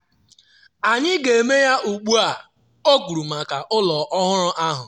“Anyị ga-eme ya ugbu a,” o kwuru maka ụlọ ọhụrụ ahụ.